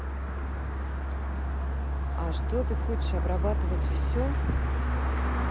а что ты хочешь обрабатывать все